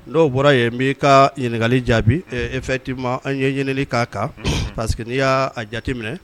N'o bɔra yen n b'i ka ɲininkagali jaabi efitii ma an ye ɲininli kaa kan parceriseke n'i y'a jate minɛ